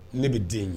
Ne bɛ den ye